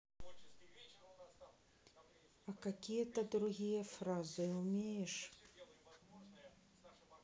а какие то другие фразы умеешь